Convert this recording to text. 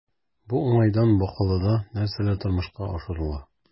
Бу уңайдан Бакалыда нәрсәләр тормышка ашырыла?